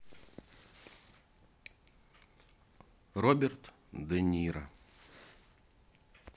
роберт де ниро